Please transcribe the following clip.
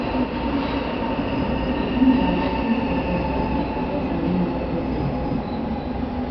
De yngre er mer innstilt på å fighte og få seg en ny arbeidsgiver.